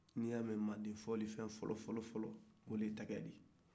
n'i ya mɛ mande sɔlisen fɔlɔfɔlɔ tɛgɛ de don